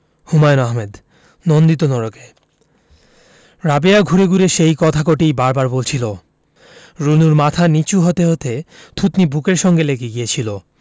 হুমায়ুন আহমেদ নন্দিত নরকে রাবেয়া ঘুরে ঘুরে সেই কথা কটিই বার বার বলছিলো রুনুর মাথা নীচু হতে হতে থুতনি বুকের সঙ্গে লেগে গিয়েছিলো